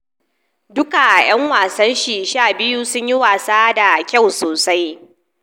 Duka yan wasan shi 12 sunyi wasa da kyau sosai.